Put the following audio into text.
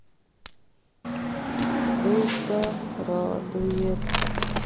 это радует